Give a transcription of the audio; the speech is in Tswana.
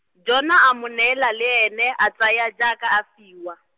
Jona a mo neela le ene a tsaya jaaka a fiwa.